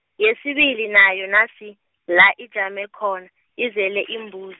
yesibili nayo nasi, la ijame khona, izele iimbuz-.